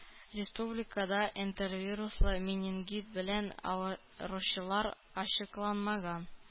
Республикада энтеровируслы менингит белән авыручылар ачыкланмаган.